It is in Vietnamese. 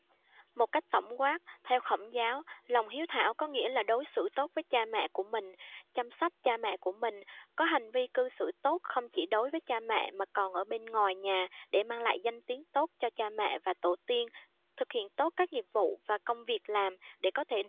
một cách tổng quát theo khổng giáo lòng hiếu thảo có nghĩa là đối xử tốt với cha mẹ của mình chăm sóc cha mẹ của mình có hành vi cư xử tốt không chỉ đối với cha mẹ mà còn ở bên ngoài nhà để mang lại danh tiếng tốt cho cha mẹ và tổ tiên thực hiện tốt các nhiệm vụ và công việc làm để có thể